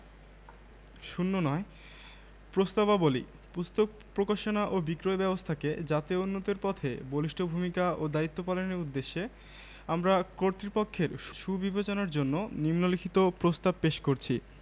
০৯ প্রস্তাবাবলী পুস্তক প্রকাশনা ও বিক্রয় ব্যাবস্থাকে জাতীয় উন্নতির পথে বলিষ্ঠ ভূমিকা ও দায়িত্ব পালনের উদ্দেশ্যে আমরা কর্তৃপক্ষের সুবিবেচনার জন্য নিন্ম লিখিত প্রস্তাব পেশ করছি